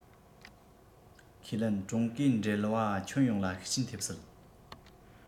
ཁས ལེན ཀྲུང གོའི འབྲེལ བ ཁྱོན ཡོངས ལ ཤུགས རྐྱེན ཐེབས སྲིད